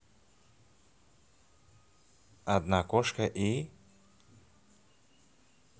одна кошка и